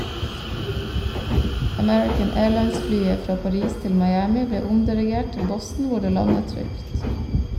American Airlines-flyet fra Paris til Miami ble omdirigert til Boston hvor det landet trygt.